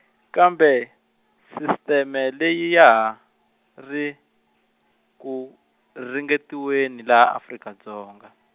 kambe , sisiteme leyi ya ha, ri, ku ringeteriweni laha Afrika Dzonga.